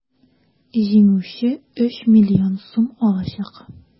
Җиңүче 3 млн сум алачак.